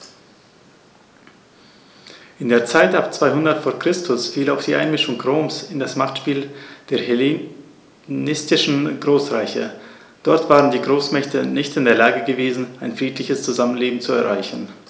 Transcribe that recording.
In die Zeit ab 200 v. Chr. fiel auch die Einmischung Roms in das Machtspiel der hellenistischen Großreiche: Dort waren die Großmächte nicht in der Lage gewesen, ein friedliches Zusammenleben zu erreichen.